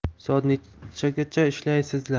soat nechagacha ishlaysizlar